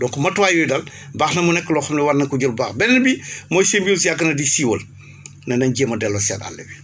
donc matuwaay yooyu daal baax na mu nekk loo xam ne war na ko jël bu baax beneen bi mooy Symbiose yàgg na di siiwal ne nañ jéem a dellu seet àll bi